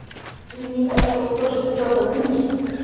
ремень пошел тоже все заткнись